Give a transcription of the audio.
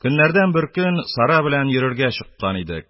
Көннәрдән беркөн Сара белән йөрергә чыккан идек.